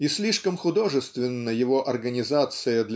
и слишком художественна его организация